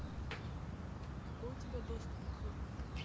какой у тебя доступ к